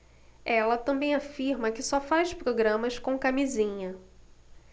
ela também afirma que só faz programas com camisinha